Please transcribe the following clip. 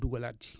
dugalaat ci